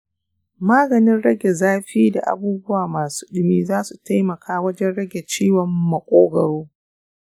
maganin rage zafi da abubuwa masu ɗumi za su taimaka wajen rage ciwon maƙogwaro.